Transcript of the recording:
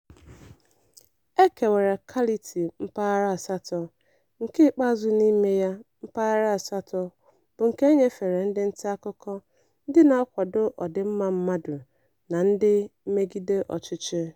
E kewara Kality mpaghara asatọ, nke ikpeazụ n'ime ya - Mpaghara Asatọ - bụ nke e nyefere ndị ntaakụkọ, ndị na-akwado ọdịmma mmadụ na ndị mmegide ọchịchị.